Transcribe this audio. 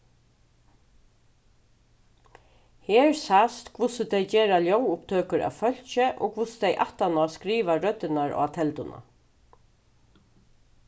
her sæst hvussu tey gera ljóðupptøkur av fólki og hvussu tey aftaná skriva røddirnar á telduna